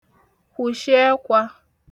kwụ̀shị ẹkwā